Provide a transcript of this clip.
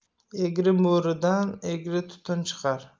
egri mo'ridan egri tutun chiqar